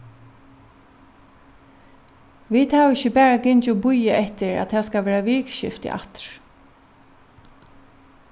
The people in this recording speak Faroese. vit hava ikki bara gingið og bíða eftir at tað skal vera vikuskifti aftur